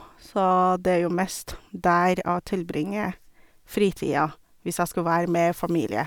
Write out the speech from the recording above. Så det er jo mest der jeg tilbringer fritida, hvis jeg skal være med familie.